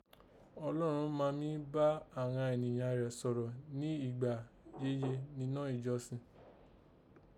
Ọlọ́run ma mí bá àghan ènìyan Rẹ̀ sọ̀rọ̀ ni ìgbà yéye ninọ́ ìjọsìn